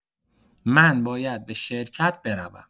من باید به شرکت بروم.